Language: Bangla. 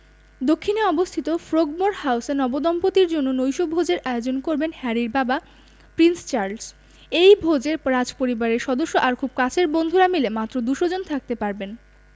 দক্ষিণে অবস্থিত ফ্রোগমোর হাউসে নবদম্পতির জন্য নৈশভোজের আয়োজন করবেন হ্যারির বাবা প্রিন্স চার্লস এই ভোজে রাজপরিবারের সদস্য আর খুব কাছের বন্ধুরা মিলে মাত্র ২০০ জন থাকতে পারবেন